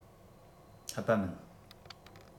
འཐད པ མིན